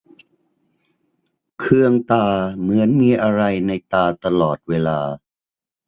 เคืองตาเหมือนมีอะไรในตาตลอดเวลา